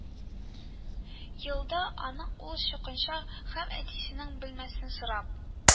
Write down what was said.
Елда аның улы чукына һәм, әтисенең биләмәсен сорап,